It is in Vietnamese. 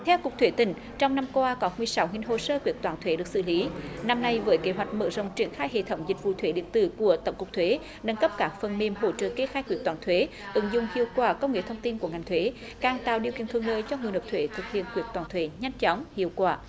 theo cục thuế tỉnh trong năm qua có mười sáu nghìn hồ sơ quyết toán thuế được xử lý năm nay với kế hoạch mở rộng triển khai hệ thống dịch vụ thuế điện tử của tổng cục thuế nâng cấp các phần mềm hỗ trợ kê khai quyết toán thuế ứng dụng hiệu quả công nghệ thông tin của ngành thuế càng tạo điều kiện thuận lợi cho người nộp thuế thực hiện quyết toán thuế nhanh chóng hiệu quả